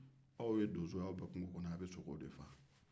aw ye donsow ye aw bɛ sogow de faa